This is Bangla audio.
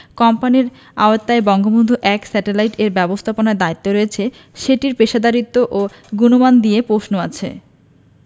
কোম্পানির আওতায় বঙ্গবন্ধু ১ স্যাটেলাইট এর ব্যবস্থাপনার দায়িত্ব রয়েছে সেটির পেশাদারিত্ব ও গুণমান নিয়ে প্রশ্ন আছে